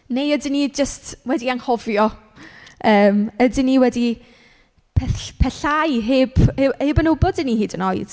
Neu ydyn ni jyst wedi anghofio yym ydyn ni wedi pethll- pellhau heb heb heb yn wybod i ni hyd yn oed?